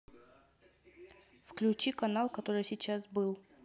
включи канал который сейчас был